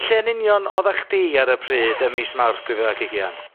Lle yn union oddach chdi ar y pryd ym mis Mawrth dwy fil ag ugian?